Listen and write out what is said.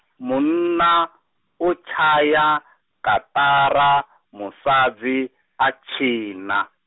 munna, u tshaya, kaṱara, musadzi, a tshina.